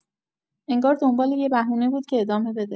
انگار دنبال یه بهونه بود که ادامه بده